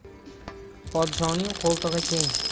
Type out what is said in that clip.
podshoning qo'ltig'i keng